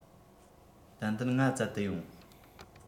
ཏན ཏན ང བཙལ དུ ཡོང